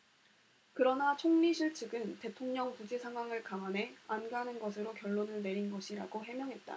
그러나 총리실측은 대통령 부재 상황을 감안해 안 가는 것으로 결론을 내린 것이라고 해명했다